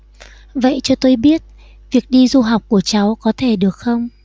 vậy cho tôi biết việc đi du học của cháu có thể được không